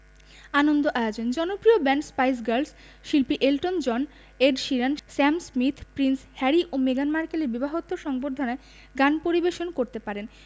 আনন্দ আয়োজন জনপ্রিয় band Spice Girls শিল্পী Elton John Ed Sheeran Sam Smith Prince Harry ও মেগান মার্কেলের বিবাহোত্তর সংবর্ধনায় গান পরিবেশন করতে পারেন